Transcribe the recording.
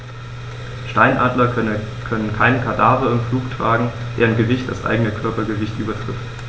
Steinadler können keine Kadaver im Flug tragen, deren Gewicht das eigene Körpergewicht übertrifft.